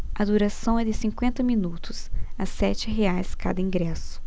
a duração é de cinquenta minutos a sete reais cada ingresso